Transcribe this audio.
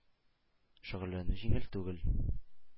– шөгыльләнү җиңел түгел,